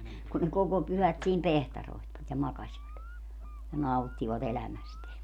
kun ne koko pyhät siinä piehtaroivat ja makasivat ja nauttivat elämästään